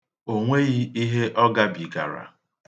O nweghị ihe ọ gabigara.